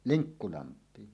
Linkkulampiin